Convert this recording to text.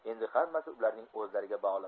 endi hammasi ularning o'zlariga bog'liq